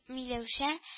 Миләүшә